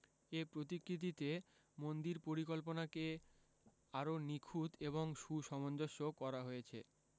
এ প্রতিকৃতিতে মন্দির পরিকল্পনাকে আরও নিখুঁত এবং সুসমঞ্জস করা হয়েছে